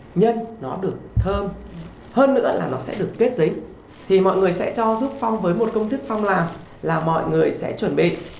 nhân nó được thơm hơn nữa là nó sẽ được kết dính thì mọi người sẽ cho giúp phong với một công thức phong làm là mọi người sẽ chuẩn bị